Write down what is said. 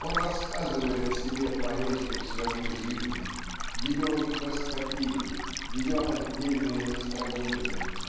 Он рассказывает себе поэзию своей жизни ее микроскопию ее отдельные настроения.